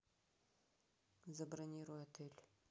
забронируй отель